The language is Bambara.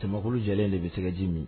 teriman kulu jɛlen de bɛ sɛgɛji min!